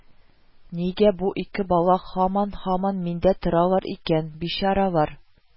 Нигә бу ике бала һаман-һаман миндә торалар икән, бичаралар